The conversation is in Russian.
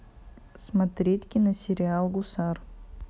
смотреть киносериал гусар